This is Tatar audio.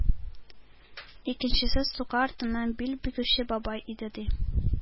Икенчесе — сука артыннан бил бөгүче бабай иде, ди.